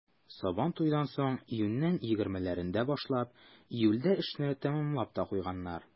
Сабантуйдан соң, июньнең егермеләрендә башлап, июльдә эшне тәмамлап та куйганнар.